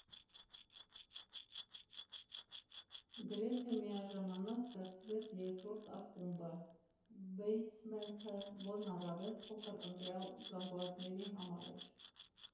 Գրեթե միաժամանակ ստեղծվեց երկրորդ ակումբը՝ «Բեյսմենթը», որն առավել փոքր, ընտրյալ զանգվածների համար էր։